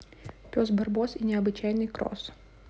пес барбос и необычайный кросс